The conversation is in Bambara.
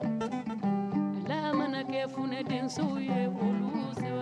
lakɛ funɛ kɛsow ye furu